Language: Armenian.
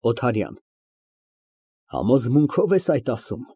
ՕԹԱՐՅԱՆ ֊ Համոզմունքո՞վ ես ասում այդ։